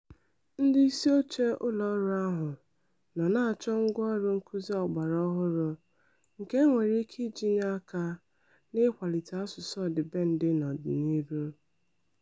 Ndị ịsị oche ụlọ ọrụ ahụ nọ na-achọ ngwaọrụ nkuzi ọgbara ohụrụ nke e nwere ike iji nye aka na-ịkwalite asụsụ ọdịbendị n'ọdịnihu.